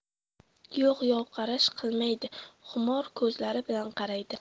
yo'q yovqarash qilmaydi xumor ko'zlari bilan qaraydi